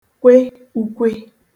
kwe ùkwe